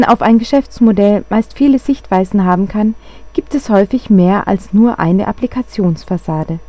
auf ein Geschäftsmodell meist viele Sichtweisen haben kann, gibt es häufig mehr als nur eine Applikations-Fassade